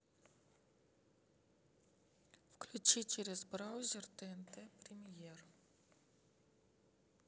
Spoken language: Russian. включи через браузер тнт премьер